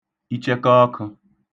ichẹkə̣ə̣k̇ə̣̄